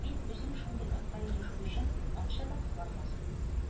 Мин үзем шундый атка ирешү өчен акча да кызганмас идем.